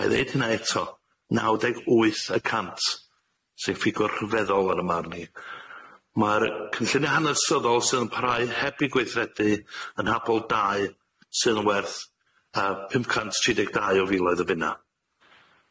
Ai ddeud hynna eto naw deg wyth y cant sy'n ffigwr rhyfeddol yn ym marn i. Ma'r cynllunie hanesyddol sydd yn parhau heb 'u gweithredu yn habol dau, sydd yn werth yy pum cant tri deg dau o filoedd o bunna.